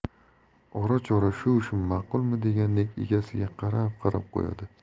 ora chora shu ishim maqulmi degandek egasiga qarab qarab qo'yadi